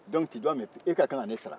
dɔnku i ka kan ka ne sara